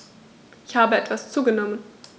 Ich habe etwas zugenommen